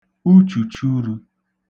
uchùchurū